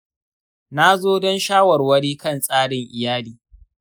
na zo don shawarwari kan tsarin iyali..